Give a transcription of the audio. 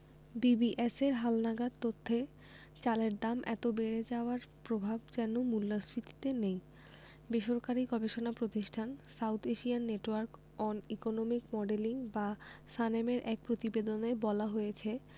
বিবিএসের হালনাগাদ তথ্যে চালের দাম এত বেড়ে যাওয়ার প্রভাব যেন মূল্যস্ফীতিতে নেই বেসরকারি গবেষণা প্রতিষ্ঠান South Asian Network on Economic Modelling বা সানেমের এক প্রতিবেদনে বলা হয়েছে